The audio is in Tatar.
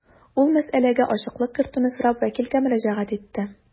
Ул мәсьәләгә ачыклык кертүне сорап вәкилгә мөрәҗәгать итте.